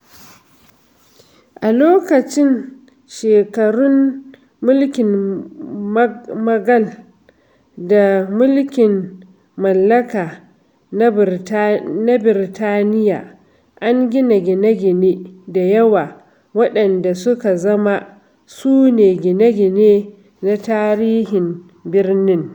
A lokacin shekarun mulkin Mughal da mulkin mallaka na Birtaniya, an gina gine-gine da yawa waɗanda suka zama su ne gine-gine na tarihin birnin.